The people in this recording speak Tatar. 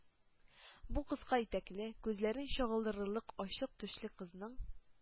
Бу кыска итәкле, күзләрне чагылдырырлык ачык түшле кызның